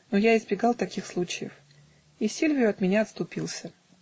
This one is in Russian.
но я избегал таких случаев, и Сильвио от меня отступился.